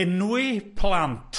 Enwi plant.